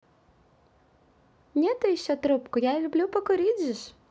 нету еще трубку я люблю покурить жеж